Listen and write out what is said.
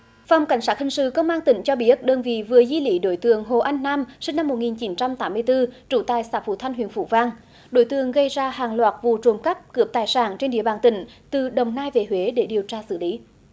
phòng cảnh sát hình sự công an tỉnh cho biết đơn vị vừa di lý đối tượng hồ anh nam sinh năm một nghìn chín trăm tám mươi tư trú tại xã phú thanh huyện phú vang đối tượng gây ra hàng loạt vụ trộm cắp cướp tài sản trên địa bàn tỉnh từ đồng nai về huế để điều tra xử lý